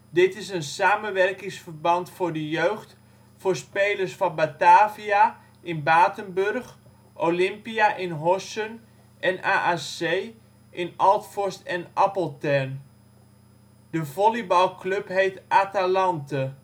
Dit is een samenwerkingsverband voor de jeugd voor spelers van Batavia (Batenburg), Olympia (Horssen) en AAC (Altforst en Appeltern). De volleybal club heet Atalante